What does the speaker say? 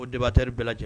O deba tari bɛɛ lajɛlen